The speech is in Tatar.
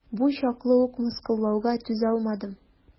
Бу чаклы ук мыскыллауга түзалмадым.